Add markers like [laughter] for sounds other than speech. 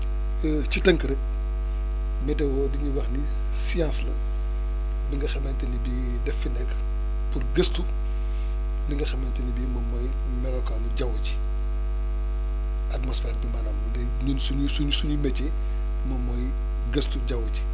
[hesitation] ci tënk rek météo dañuy wax ni science la bi nga xamante ne bii daf fi nekk pour gëstu [breath] li nga xamante ni bii moom mooy melokaanu jaww ji atmosphère bi maanaam day ñun suñuy suñ suñu métier moom mooy gëstu jaww ji